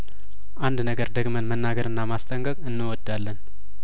አንድ ነገር ደግመን መናገርና ማስጠንቀቅ እንወዳለን